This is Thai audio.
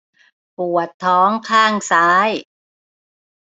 ปวดท้องข้างซ้าย